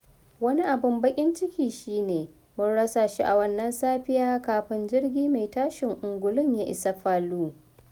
Wani abin bakin ciki shi ne mun rasa shi a wannan safiya kafin jirgi mai tashin angulun ya isa Palu.